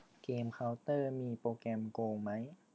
เกมเค้าเตอร์มีโปรแกรมโกงไหม